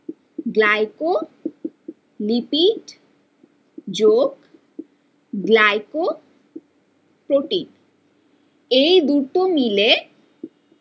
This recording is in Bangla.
গ্লাইকোলিপিড যোগ গ্লাইকো প্রোটিন এ দুটো মিলে